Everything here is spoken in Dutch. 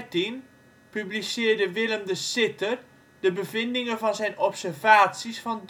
1913 publiceerde Willem de Sitter de bevindingen van zijn observaties van